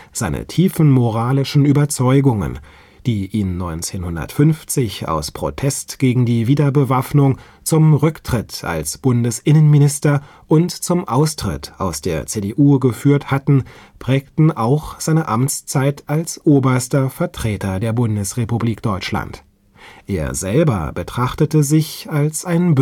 Seine tiefen moralischen Überzeugungen, die ihn 1950 aus Protest gegen die Wiederbewaffnung zum Rücktritt als Bundesinnenminister und zum Austritt aus der CDU geführt hatten, prägten auch seine Amtszeit als oberster Vertreter der Bundesrepublik Deutschland. Er selber betrachtete sich als ein